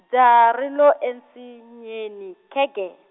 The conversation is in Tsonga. jaha ri lo ensinyeni, khegee.